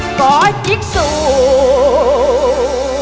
có chiếc xuồng